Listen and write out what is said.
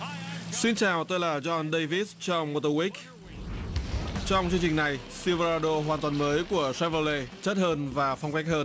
xin chào tôi là don đây vít trong mô tô guých trong chương trình này xiu va đô hoàn toàn mới của sa vơ lê chất hơn và phong cách hơn